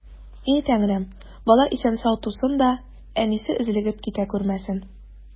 И Тәңрем, бала исән-сау тусын да, әнисе өзлегеп китә күрмәсен!